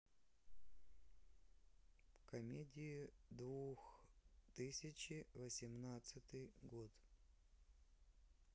комедии двух тысячи восемнадцатый год